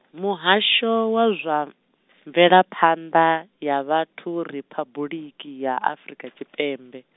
Muhasho wa zwa, mvelaphanḓa ya Vhathu Riphabuḽiki ya Afrika Tshipembe.